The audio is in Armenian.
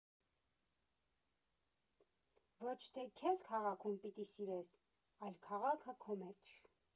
Ոչ թե քեզ քաղաքում պիտի սիրես, այլ՝ քաղաքը քո մեջ։